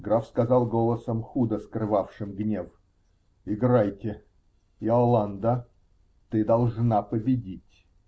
Граф сказал голосом, худо скрывавшим гнев. -- Играйте. Иоланда, ты должна победить.